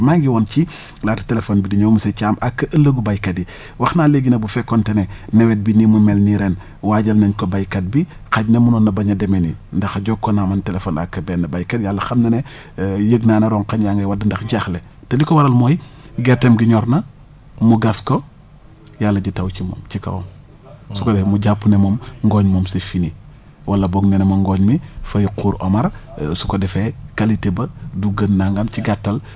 maa ngi woon ci laata téléphone bi di ñëw monsieur Thiam ak ëllëgu béykat yi wax naa léegi ne bu fekkoonte ne nawet bi ni mu mel nii ren waajal nañ ko béykat xaj na munoon na bañ a demee nii ndax jokkoo naa man téléphone ak benn béykat yàlla xam na ne yëg naa ne roŋañ yaa ngay wadd ndax jaaxle te li ko waral mooy gerteem gi ñor na mu gas ko yàlla ji taw ci mu ci kawam su ko defee mu jàpp ne moom ngooñ moom c' est fini wala boog nee na moom ngooñ mi fay xuur Omar su ko defee qualité ba du gën nagam ci gàttal